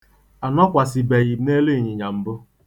Anọkwasabe m n'elu ịnyịnya mbụ.